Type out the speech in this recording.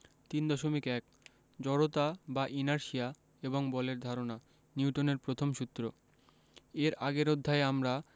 ৩.১ জড়তা বা ইনারশিয়া এবং বলের ধারণা নিউটনের প্রথম সূত্র এর আগের অধ্যায়ে আমরা